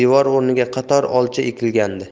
devor o'rniga qator olcha ekilgandi